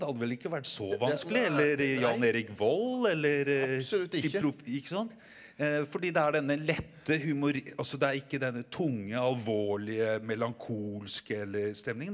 det hadde vel ikke vært så vanskelig, eller Jan Erik Vold eller ikke sant fordi det er denne lette altså det er ikke denne tunge alvorlige melankolske eller stemningen.